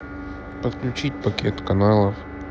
подключить пакет каналов